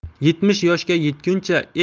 yetmish yoshga yetguncha